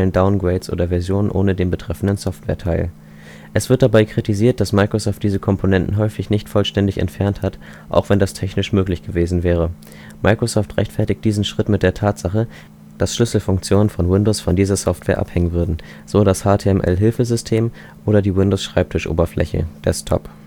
Downgrades oder Versionen ohne den betreffenden Software-Teil. Es wird dabei kritisiert, dass Microsoft diese Komponenten häufig nicht vollständig entfernt hat, auch wenn das technisch möglich gewesen wäre. Microsoft rechtfertigte diesen Schritt mit der Tatsache, dass Schlüsselfunktionen von Windows von dieser Software abhängen würden, so das HTML-Hilfesystem oder die Windows-Schreibtischoberfläche (Desktop